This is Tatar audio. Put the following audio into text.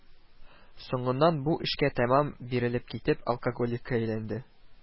Соңыннан, бу эшкә тәмам бирелеп китеп, алкоголикка әйләнде